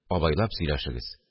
Абайлап сөйләшегез